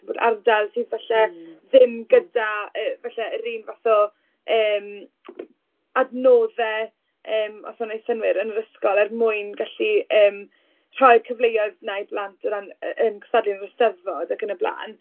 bod ardal sydd falle... mm. ...ddim gyda y falle yr un fath o yym adnoddau, yym os ma' hwnna'n wneud synnwyr yn yr ysgol er mwyn gallu yym rhoi'r cyfleoedd 'na i blant o ran yy yym cystadlu yn yr Eisteddfod ac yn y blaen.